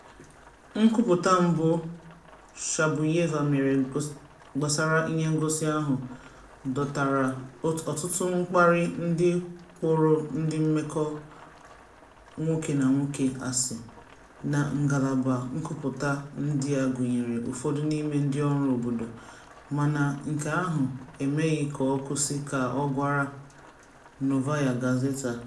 Nkwupụta mbụ Shabuyeva mere gbasara ihe ngosi ahụ dọtara ọtụtụ mkparị ndị kpọrọ ndị mmekọ nwoke na nwoke asị na ngalaba nkwupụta, ndị a, gụnyere ụfọdụ n'ime ndịọrụ obodo, mana nke ahụ emeghị ka ọ kwụsị, ka ọ gwara Novaya Gazeta.